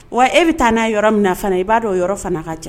Wa e bi taa na yɔrɔ min na fana i ba dɔn o yɔrɔ fana ka ca.